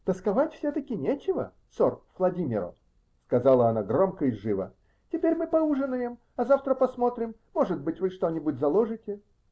-- Тосковать все-таки нечего, сор Фладимиро, -- сказала она громко и живо, -- теперь мы поужинаем, а завтра посмотрим, может быть, вы что-нибудь заложите.